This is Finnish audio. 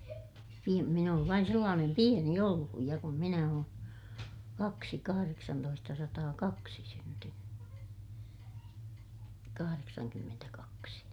- minä olen vain sellainen pieni ollut ja kun minä olen kaksi kahdeksantoistasataakaksi syntynyt kahdeksankymmentäkaksi